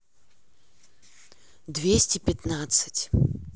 двести пятнадцать